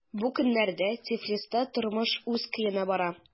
Бу көннәрдә Тифлиста тормыш үз көенә бара.